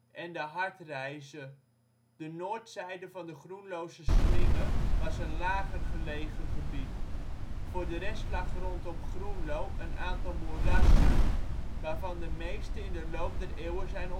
en de Hartrijze. De noordzijde van de Groenlose Slinge was een lager gelegen gebied. Voor de rest lag rondom Groenlo een aantal moerassen waarvan de meeste in de loop der eeuwen zijn